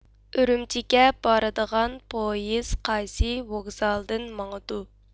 ئۈرۈمچىگە بارىدىغان پويىز قايسى ۋوگزالدىن ماڭىدۇ